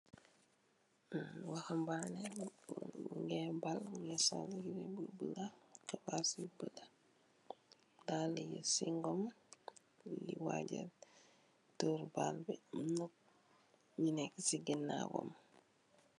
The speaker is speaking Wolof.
Waxambaneh bu gorre ngeumbal mungy sol yehreh bu bleu, kawass bu bleu, daalu yu chingom, mungy waajal dorre bal bii, amna njee nek cii ginawam.